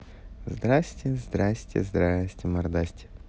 здрасте здрасте здрасте мордасти